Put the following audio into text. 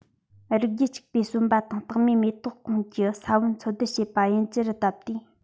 རིགས རྒྱུད གཅིག པའི གསོམ པ དང སྟག མའི མེ ཏོག ཁོངས ཀྱི ས བོན འཚོལ སྡུད བྱས པ དབྱིན ཇི རུ བཏབ དུས